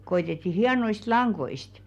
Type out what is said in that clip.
koetettiin hienoista langoista